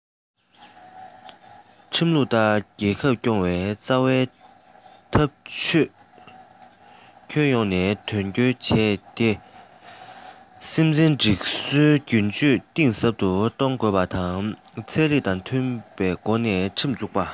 ཁྲིམས ལུགས ལྟར རྒྱལ ཁབ སྐྱོང བའི རྩ བའི ཐབས ཇུས ཁྱོན ཡོངས ནས དོན འཁྱོལ བྱས ཏེ ཁྲིམས འཛིན སྒྲིག སྲོལ སྒྱུར བཅོས གཏིང ཟབ ཏུ གཏོང དགོས པ དང ཚན རིག དང མཐུན པའི སྒོ ནས ཁྲིམས འཛུགས པ དང